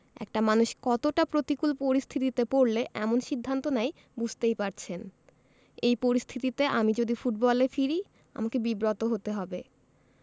একটা মানুষ কতটা প্রতিকূল পরিস্থিতিতে পড়লে এমন সিদ্ধান্ত নেয় বুঝতেই পারছেন এই পরিস্থিতিতে আমি যদি ফুটবলে ফিরি আমাকে বিব্রত হতে হবে